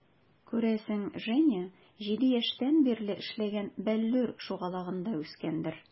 Күрәсең, Женя 7 яшьтән бирле эшләгән "Бәллүр" шугалагында үскәндер.